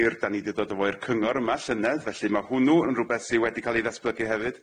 Ir dan ni di dod o fo i'r cyngor yma llynedd felly ma' hwnnw yn rwbeth sy wedi ca'l ei ddatblygu hefyd.